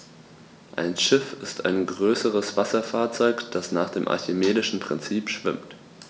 Ein Schiff ist ein größeres Wasserfahrzeug, das nach dem archimedischen Prinzip schwimmt.